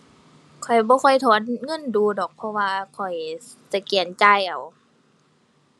ข้อยบ่ค่อยถอนเงินดู๋ดอก เพราะว่าข้อยสแกนจ่ายเอา